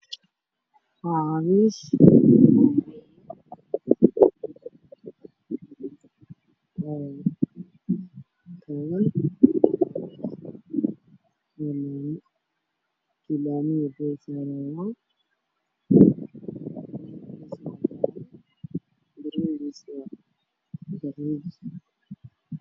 Nin waddada socdo oo wato ay ku jiraan alaab dhacday dheerkeed waa madow ninka wuxuu wataa shaati cadaanna macmis madow